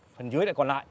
hình dưới để còn lại